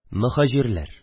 Мөһаҗирләр